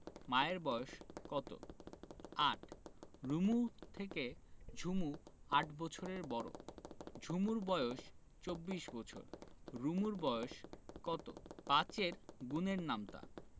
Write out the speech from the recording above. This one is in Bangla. মায়ের বয়স কত ৮ রুমুর থেকে ঝুমু ৮ বছরের বড় ঝুমুর বয়স ২৪ বছর রুমুর বয়স কত ৫ এর গুণের নামতা